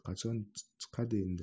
qachon chiqadi endi